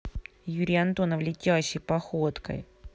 юрий антонов летящей походкой